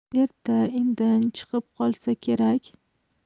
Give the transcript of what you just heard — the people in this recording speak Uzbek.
erta indin chiqib qolsa kerak